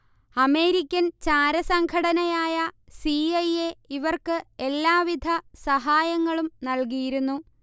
American ചാരസംഘടനയായ C. I. A. ഇവർക്ക് എല്ലാവിധ സഹായങ്ങളും നൽകിയിരുന്നു